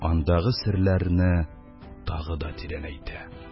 Андагы серләрне тагы да тирәнәйтә.